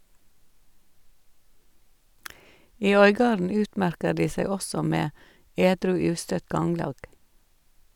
I Øygarden utmerker de seg også med edru ustøtt ganglag.